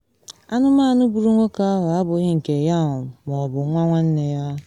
Anụmanụ gburu nwoke ahụ abụghị nke Yaun ma ọ bụ nwa nwanne ya.